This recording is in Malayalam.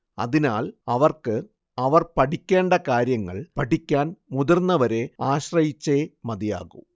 അതിനാൽ അവർക്ക് അവർ പഠിക്കേണ്ട കാര്യങ്ങൾ പഠിക്കാൻ മുതിർന്നവരെ ആശ്രയിച്ചേ മതിയാകൂ